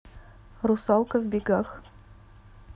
русалка в бегах